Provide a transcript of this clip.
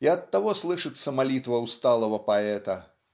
И оттого слышится молитва усталого поэта